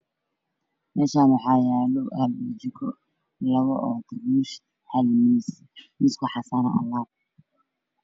Meeshan waxaa yaalo waxyaabo kusheen ayaa yaalla waxaa saaran saxan